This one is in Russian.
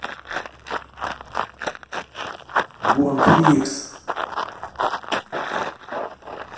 гон фрикс